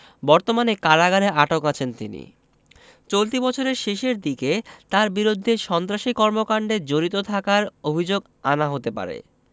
বর্তমানে কারাগারে আটক আছেন তিনি চলতি বছরের শেষের দিকে তাঁর বিরুদ্ধে সন্ত্রাসী কর্মকাণ্ডে জড়িত থাকার অভিযোগ আনা হতে পারে